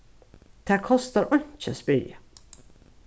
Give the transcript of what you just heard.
tað kostar einki at spyrja